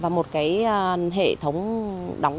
và một cái hệ thống đóng